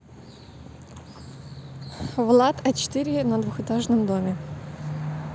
влад а четыре на двухэтажном доме